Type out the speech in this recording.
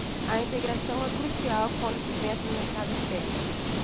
a integração é crucial quando se pensa no mercado externo